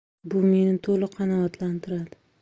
bu meni to'la qanoatlantiradi